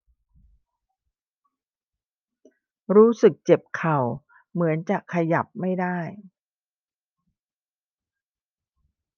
รู้สึกเจ็บเข่าเหมือนจะขยับไม่ได้